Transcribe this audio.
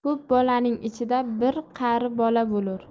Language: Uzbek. ko'p bolaning ichida bir qari bola bo'lur